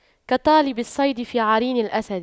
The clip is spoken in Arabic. كطالب الصيد في عرين الأسد